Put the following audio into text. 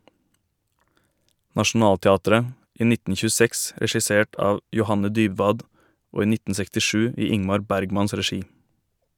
Nationaltheatret, i 1926 regissert av Johanne Dybwad og i 1967 i Ingmar Bergmans regi.